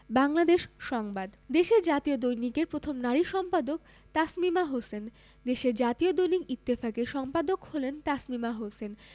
বাংলাদেশ সংবাদ দেশের জাতীয় দৈনিকের প্রথম নারী সম্পাদক তাসমিমা হোসেন দেশের জাতীয় দৈনিক ইত্তেফাকের সম্পাদক হলেন তাসমিমা হোসেন